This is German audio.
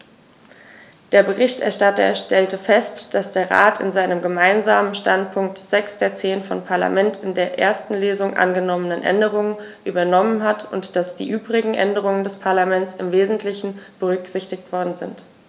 Der Berichterstatter stellte fest, dass der Rat in seinem Gemeinsamen Standpunkt sechs der zehn vom Parlament in der ersten Lesung angenommenen Änderungen übernommen hat und dass die übrigen Änderungen des Parlaments im wesentlichen berücksichtigt worden sind.